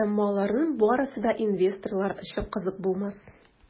Әмма аларның барысы да инвесторлар өчен кызык булмас.